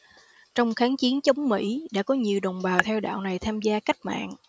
trong kháng chiến chống mỹ đã có nhiều đồng bào theo đạo này tham gia cách mạng